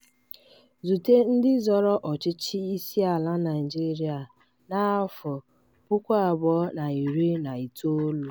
Zùté ndị zọrọ ọchịchị isi ala Naịjirịa na 2019.